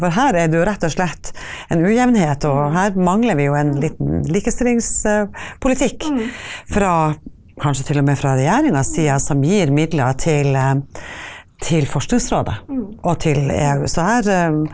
for her er det jo rett og slett en ujevnhet, og her mangler vi jo en liten likestillingspolitikk fra kanskje t.o.m. fra regjeringas side som gir midler til til forskningsrådet og til EU så her .